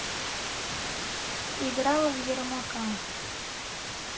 играла в ермака